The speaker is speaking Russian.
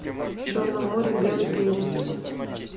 в черном море в белой пене